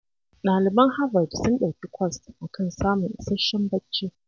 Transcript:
Ɗaliban Harvard sun ɗauki kwas a kan samun isasshen barci